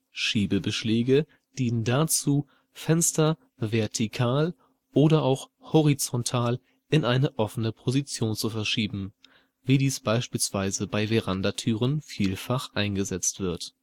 Schiebebeschläge dienen dazu, Fenster vertikal oder auch horizontal in eine offene Position zu verschieben, wie dies beispielsweise bei Verandatüren vielfach eingesetzt wird